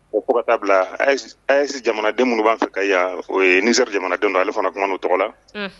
O kɔrɔta bila ayise jamanadenw minnu b'a fɛ ka yan sera jamana don don ale fanaumana' tɔgɔ la